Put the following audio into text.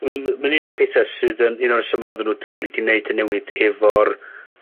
Dwi'n me'wl ma'n un o'r petha sydd yn un o'r resyma' oddan nw d- rili 'di neud y newid efo'r